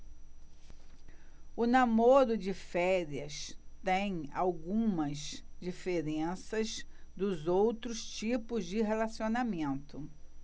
o namoro de férias tem algumas diferenças dos outros tipos de relacionamento